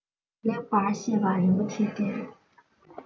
ལེགས པར བཤད པ རིན པོ ཆེའི གཏེར